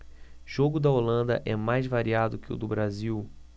jogo da holanda é mais variado que o do brasil